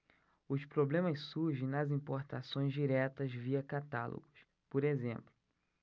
os problemas surgem nas importações diretas via catálogos por exemplo